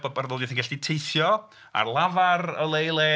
Bod barddoniaeth yn gallu teithio ar lafar o le i le